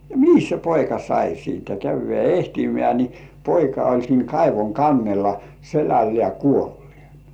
ja mihinkäs se poika sai siitä käydään etsimään niin poika oli siinä kaivon kannella selällään kuolleena